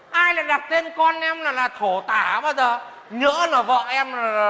ai lại đặt tên con em là là thổ tả bao giờ nhỡ là vợ em lờ dờ